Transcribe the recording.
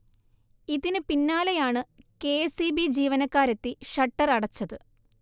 ഇതിന് പിന്നാലെയാണ് K S E B ജീവനക്കാരെത്തി ഷട്ടർ അടച്ചത്